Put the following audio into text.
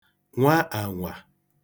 nwà ànwà